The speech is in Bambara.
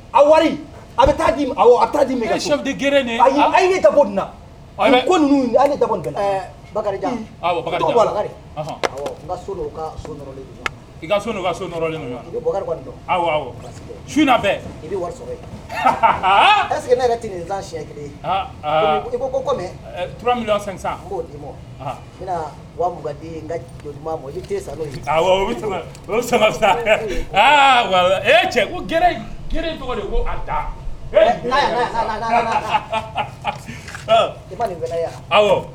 A wari a bɛ taa di di g dabo dun ko dabo so ka so so i wari ɛ' ka ten nin kelen i ko ko kɔmi mɛura min sisano di sa cɛ tɔgɔ ko